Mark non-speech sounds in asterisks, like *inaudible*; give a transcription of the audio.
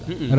*hesitation* *hesitation*